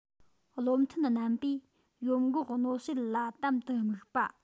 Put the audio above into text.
བློ མཐུན རྣམ པས ཡོམ འགོག གནོད སེལ ལ དམ དུ དམིགས པ